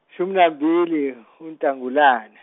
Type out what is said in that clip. -shumi nambili uNhlangulana.